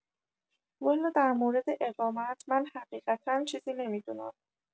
والا در مورد اقامت من حقیقتا چیزی نمی‌دونم